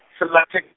sellathek-.